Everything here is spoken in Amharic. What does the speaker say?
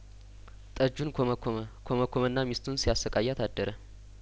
ጠጁን ኰ መኰመኰ መኰመና ሚስቱን ሲያሰቃያት አደረ